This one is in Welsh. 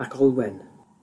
ac Olwen